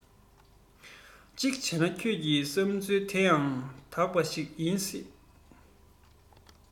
གཅིག བྱས ན ཁྱོད ཀྱི བསམས ཚུལ དེ ཡང དག པ ཞིག ཡིན སྲིད